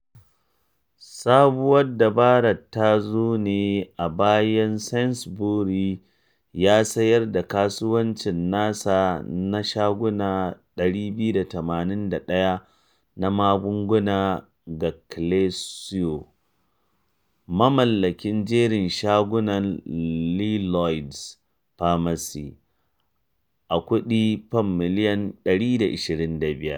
Sabuwar dabarar ta zo ne a bayan Sainsbury's ya sayar da kasuwancin nasa na shaguna 281 na magunguna ga Celesio, mamallakin jerin shagunan Lloyds Pharmacy, a kuɗi Fam miliyan 125.